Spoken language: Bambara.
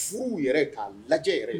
Furuw yɛrɛ kaa lajɛ yɛrɛ